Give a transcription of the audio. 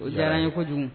O diyara ye kojugu